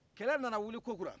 kɛlɛ nana wuli kokura